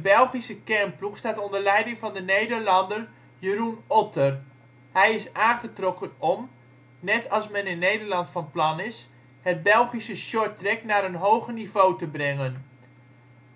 Belgische kernploeg staat onder leiding van de Nederlander Jeroen Otter. Hij is aangetrokken om, net als men in Nederland van plan is, het Belgische shorttrack naar een hoger niveau te brengen.